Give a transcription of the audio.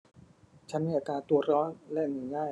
ฉันมีอาการตัวร้อนและเหนื่อยง่าย